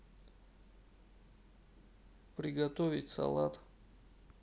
приготовить салат